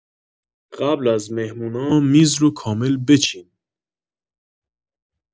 قبل از مهمونا میز رو کامل بچین